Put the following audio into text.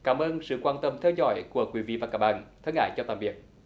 cảm ơn sự quan tâm theo dõi của quý vị và các bạn thân ái chào tạm biệt